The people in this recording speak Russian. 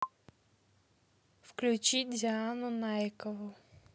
включи диану найкову